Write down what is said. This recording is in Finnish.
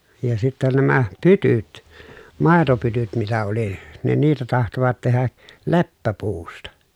ja sitten nämä pytyt maitopytyt mitä oli ne niitä tahtoivat tehdä leppäpuusta